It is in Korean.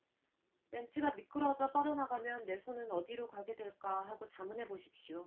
렌치가 미끄러져 빠져나가면 내 손은 어디로 가게 될까 하고 자문해 보십시오